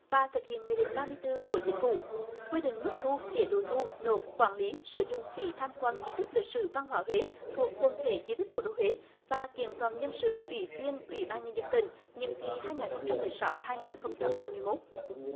và thực hiện nghị định ba tư của chính phủ quy định mức thu chế độ thu nộp quản lý sử dụng phí tham quan di tích lịch sử văn hóa huế thuộc quần thể di tích cố đô huế và kiện toàn nhân sự ủy viên ủy ban nhân dân tỉnh nhiệm kỳ hai nghìn không trăm mười sáu hai nghìn không trăm hai mươi mốt